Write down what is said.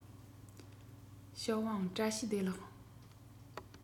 ཞའོ ཝང བཀྲ ཤིས བདེ ལེགས